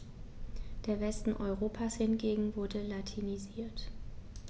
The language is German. Der Westen Europas hingegen wurde latinisiert.